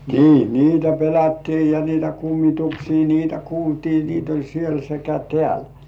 niin niitä pelättiin ja niitä kummituksia niitä kuultiin niitä oli siellä sekä täällä